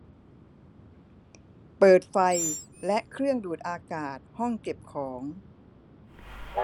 เปิดไฟและเครื่องดูดอากาศห้องเก็บของ